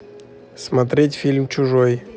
смотреть фильм чужой